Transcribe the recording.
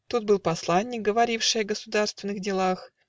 Тут был посланник, говоривший О государственных делах